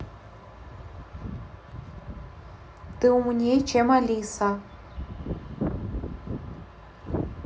ты умней чем алиса